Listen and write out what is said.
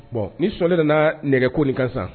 Bɔn ni sɔn ne nana nɛgɛ koli ka sa